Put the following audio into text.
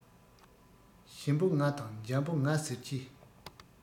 ཞིམ པོ ང དང འཇམ པོ ང ཟེར གྱི